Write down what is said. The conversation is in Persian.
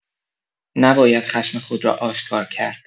نباید خشم خود را آشکار کرد.